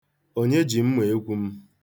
Onye ji mmeekwu m?